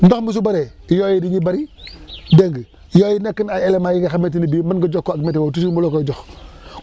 ndox mi su bëree yooyu dañuy bëri dégg nga yooyu nekk na ay éléments yi nga xamante ne bii mën nga jokkoo ak météo toujours mu la koy jox